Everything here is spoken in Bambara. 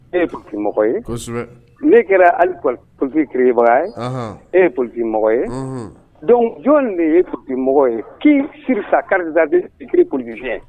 E ye politique mɔgɔ ye. Kosɛbɛ! Min kɛra hali politique créer baga ye. Ɔnhɔn! E ye pol politique mɔgɔ ye. Unhun! donc jɔn de ye politique mɔgɔ ye? qui sur sa carte d'identité est écrit politicien ?